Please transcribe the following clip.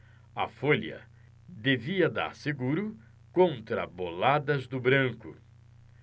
a folha devia dar seguro contra boladas do branco